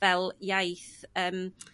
fel iaith yym